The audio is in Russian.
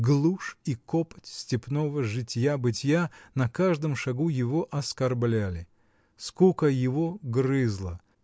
глушь и копоть степного житья-бытья на каждом шагу его оскорбляли скука его грызла